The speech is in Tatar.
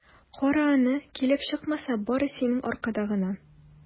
Кара аны, килеп чыкмаса, бары синең аркада гына!